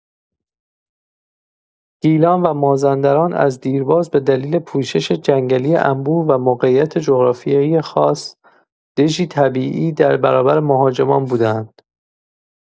گیلان و مازندران از دیرباز به دلیل پوشش جنگلی انبوه و موقعیت جغرافیایی خاص، دژی طبیعی در برابر مهاجمان بوده‌اند.